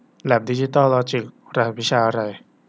แล็บดิจิตอลลอจิครหัสวิชาอะไร